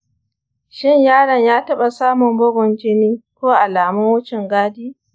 shin yaron ya taɓa samun bugun jini ko alamun wucin gadi?